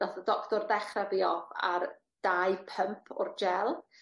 nath y doctor ddechre fi off ar dau pump o'r gel.